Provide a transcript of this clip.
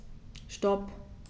Stop.